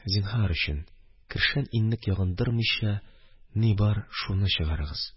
Зинһар өчен, кершән кисмәгенә манмыйча, ни бар – шуны чыгарыгыз.